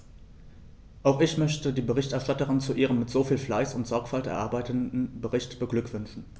Auch ich möchte die Berichterstatterin zu ihrem mit so viel Fleiß und Sorgfalt erarbeiteten Bericht beglückwünschen.